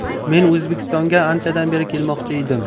men o'zbekistonga anchadan beri kelmoqchi edim